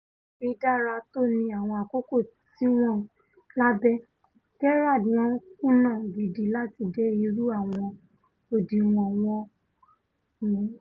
Bí wọ́n ti dára tó ni àwọn àkókò tíwọ́n lábẹ́ Gerrard, wọ́n kùnà gidi láti dé irú àwọn òdiwọ̀n wọ̀nyẹn.